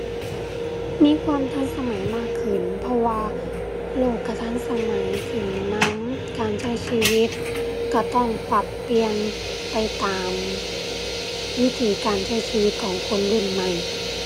มีความทันสมัยมากขึ้น เพราะว่าโลกก็ทันสมัยขึ้นนำ การใช้ชีวิตก็ต้องปรับเปลี่ยนไปตามวิถีการใช้ชีวิตของคนรุ่นใหม่